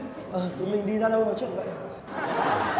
ờ chúng mình đi ra đâu nói chuyện vậy